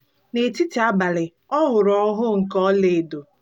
N'etiti abalị, ọ hụrụ ọhụụ nke ọlaedo.